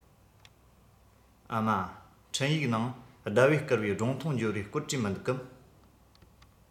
ཨ མ འཕྲིན ཡིག ནང ཟླ བས བསྐུར བའི སྒྲུང ཐུང འབྱོར བའི སྐོར བྲིས མི འདུག གམ